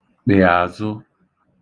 kpè àzụ